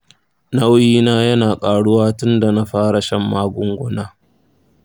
nauyina yana ƙaruwa tun da na fara shan magunguna.